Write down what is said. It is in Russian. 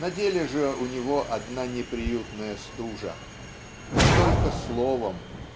на деле же у него -- одна неприютная стужа. И только словом